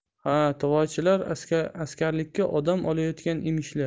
ha tavochilar askarlikka odam olayotgan emishlar